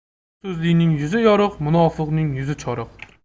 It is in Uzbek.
bir so'zlining yuzi yorug' munofiqning yuzi choriq